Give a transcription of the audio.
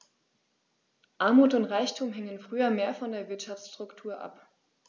Armut und Reichtum hingen früher mehr von der Wirtschaftsstruktur ab.